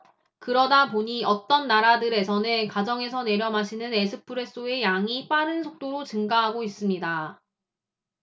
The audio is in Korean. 그러다 보니 어떤 나라들에서는 가정에서 내려 마시는 에스프레소의 양이 빠른 속도로 증가하고 있습니다